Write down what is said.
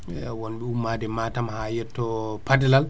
ey wonde ummade Matam ha yetto Padalal